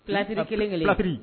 Filatira kelen kari